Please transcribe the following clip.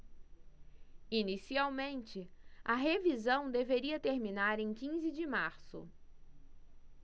inicialmente a revisão deveria terminar em quinze de março